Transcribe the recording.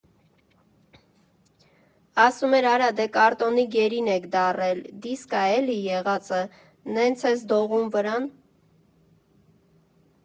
Ասում էր՝ արա դե կարտոնի գերի՜ն եք դառել, դիսկ ա էլի՜ եղածը, նենց ես դողում վրան։